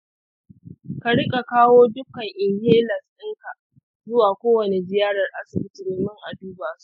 ka riƙa kawo dukkan inhalers ɗinka zuwa kowane ziyarar asibiti domin a duba su.